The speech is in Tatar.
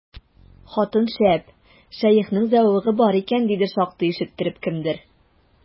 Хатын шәп, шәехнең зәвыгы бар икән, диде шактый ишеттереп кемдер.